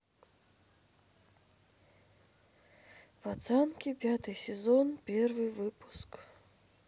пацанки пятый сезон первый выпуск